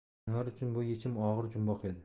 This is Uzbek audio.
anvar uchun bu yechimi og'ir jumboq edi